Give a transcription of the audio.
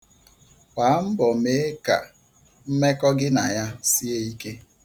Gbaa mbọ mee ka mmekọ gị na ya sie ike.